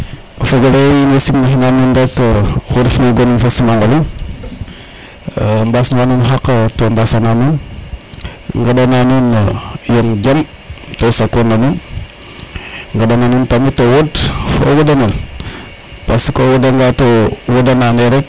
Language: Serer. fogole in way sim na xi na nuun rek oxu ref na gonum fo simangolum mbaasnuwa nuun xaq to mbasana na nuun ŋenda na nuun yoŋ jam to sakuwan na nuun ŋandana nuun tam o wod fo o wodanel parce que o woda nga to wodana nde rek